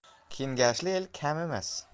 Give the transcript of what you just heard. kengashli el kamimas